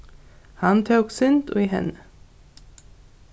hann tók synd í henni